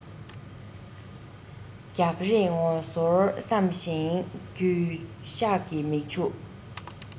རྒྱག རེས ངོ གསོར བསམ ཞིང འགྱོད ཤགས ཀྱི མིག ཆུ